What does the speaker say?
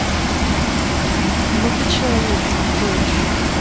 ну ты человек и никто еще